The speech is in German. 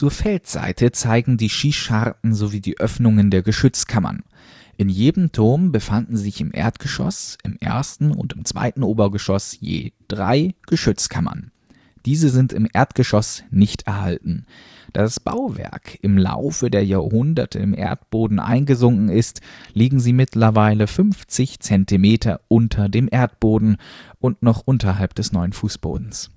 Feldseite zeigen die Schießscharten sowie die Öffnungen der Geschützkammern. In jedem Turm befanden sich im Erdgeschoss, im ersten und im zweiten Obergeschoss je drei Geschützkammern. Diese sind im Erdgeschoss nicht erhalten. Da das Bauwerk im Laufe der Jahrhunderte im Erdboden eingesunken ist, liegen sie mittlerweile 50 Zentimeter unter dem Erdboden und noch unterhalb des neuen Fußbodens